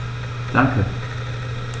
Danke.